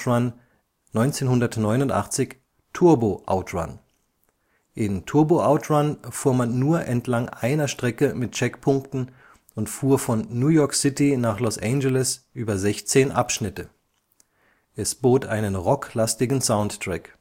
Run 1989 Turbo Outrun. In Turbo Outrun fuhr man nur entlang einer Strecke mit Checkpunkten und fuhr von New York City nach Los Angeles über 16 Abschnitte. Es bot einen rock-lastigen Soundtrack